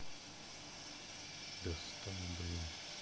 достал блин